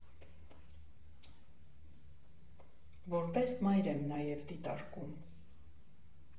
Որպես մայր եմ նաև դիտարկում.